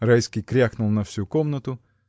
Райский крякнул на всю комнату.